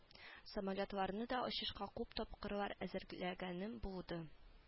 Самолетларны да очышка күп тапкырлар әзерләгәнем булды